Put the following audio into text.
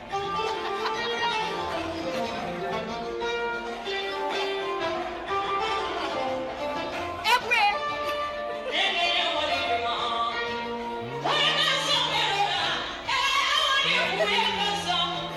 Diɲɛ kuninɛ maa kɛ diɲɛ